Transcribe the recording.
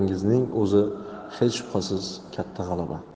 kiritganingizning o'zi hech shubhasiz katta g'alaba